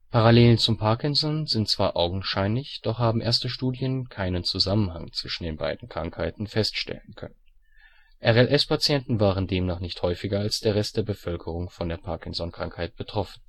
Parallelen zum Parkinson sind zwar augenscheinlich, doch haben erste Studien keinen Zusammenhang zwischen den beiden Krankheiten feststellen können. RLS-Patienten waren demnach nicht häufiger als der Rest der Bevölkerung von der Parkinson-Krankheit betroffen